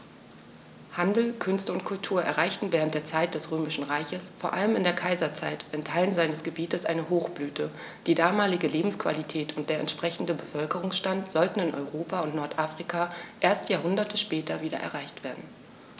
Handel, Künste und Kultur erreichten während der Zeit des Römischen Reiches, vor allem in der Kaiserzeit, in Teilen seines Gebietes eine Hochblüte, die damalige Lebensqualität und der entsprechende Bevölkerungsstand sollten in Europa und Nordafrika erst Jahrhunderte später wieder erreicht werden.